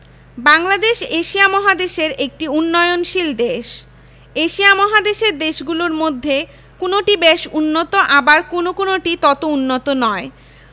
Bangladesh Asia মহাদেশের একটি উন্নয়নশীল দেশ এশিয়া মহাদেশের দেশগুলোর মধ্যে কোনটি বেশ উন্নত আবার কোনো কোনোটি তত উন্নত নয়